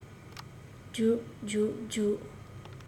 རྒྱུགས རྒྱུགས རྒྱུགས